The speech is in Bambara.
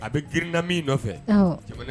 A bɛ girina min nɔfɛ. Awɔ.